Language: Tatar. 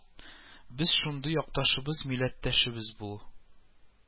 Без шундый якташыбыз, милләттәшебез булу